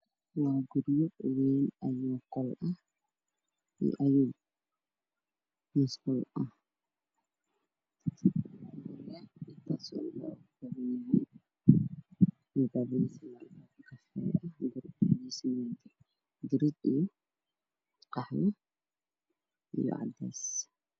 Waxaa ii muuqda guri hada la dhisay oo ay midabkoodu yahay caddeys waxa ay leeyihiin qolol midabkooda yahay cadays albaabadana waa guduud waxa ayna leeyihiin jiko waxaana saaran jikadaa mutureel